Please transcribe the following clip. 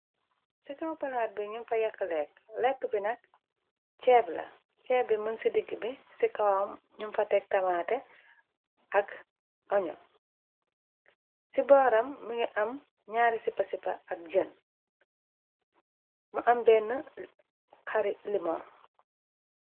Ci kaw palaat bi ñu fa yakk lekk, lekk bi nak ceeb la. Ceeb bi mën ci digg bi ci kawam ñum fa tek tamaate ak añu, ci booram mingi am ñaari sipasipa ak jën, mu am benn xari limo.